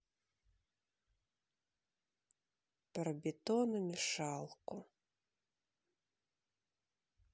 про бетономешалку